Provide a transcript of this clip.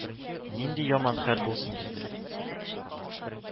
Нинди яман хәл булсын бездә